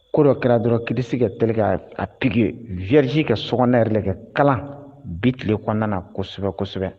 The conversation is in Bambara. Ko dɔ kɛra dɔrɔn kisi ka t k a pge vrisi ka so yɛrɛ kɛ kalan bi tile kɔnɔna na kosɛbɛ kosɛbɛ